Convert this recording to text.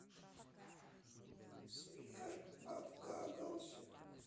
сбер обкакался